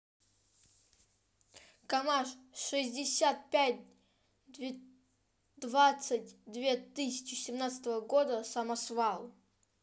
kamazz шестьдесят пять двадцать две тысячи семнадцатого года самосвал